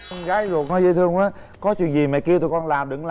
con gái ruột nói dễ thương quá có chuyện gì mẹ kêu tụi con làm đừng